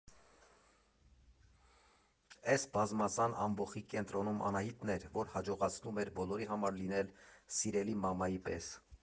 Էս բազմազան ամբոխի կենտրոնում Անահիտն էր, որ հաջողացնում էր բոլորի համար լինել սիրելի մամայի պես.